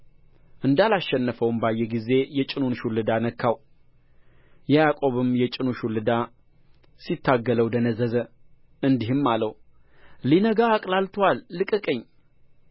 እንዳላሸነፈውም ባየ ጊዜ የጭኑን ሹልዳ ነካው ያዕቆብም የጭኑ ሹልዳ ሲታገለው ደነዘዘ እንዲህም አለው ሊነጋ አቀላልቶአልና ልቀቀኝ